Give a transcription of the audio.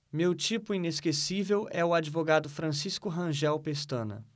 meu tipo inesquecível é o advogado francisco rangel pestana